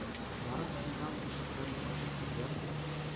Барып зиндан ишекләрен ачып керде,